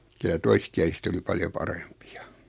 kyllä toiskieliset oli paljon parempia